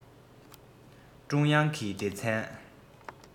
ཀྲུང དབྱང གི སྡེ ཚན